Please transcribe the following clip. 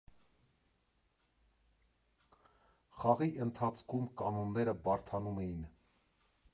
Խաղի ընթացքում կանոնները բարդանում էին.